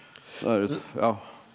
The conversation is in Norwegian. ja.